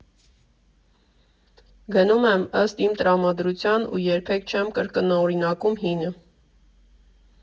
Գնում եմ ըստ իմ տրամադրության ու երբեք չեմ կրկնօրինակում հինը։